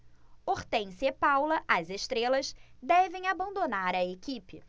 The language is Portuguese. hortência e paula as estrelas devem abandonar a equipe